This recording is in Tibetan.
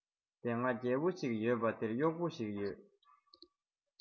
དེ སྔ རྒྱལ པོ ཞིག ཡོད པ དེར གཡོག པོ ཞིག ཡོད